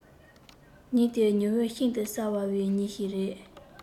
ཉིན དེ ཉི འོད ཤིན ཏུ གསལ བའི ཉིན ཞིག རེད